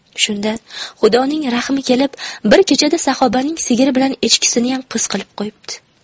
shunda xudoning rahmi kelib bir kechada saxobaning sigiri bilan echkisiniyam qiz qilib qo'yibdi